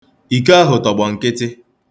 Iko ahụ tọgbọ nkịtị.